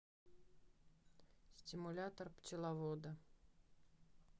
симулятор пчеловода